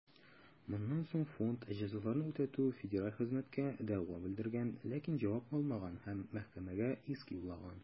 Моннан соң фонд ҖҮФХгә дәгъва белдергән, ләкин җавап алмаган һәм мәхкәмәгә иск юллаган.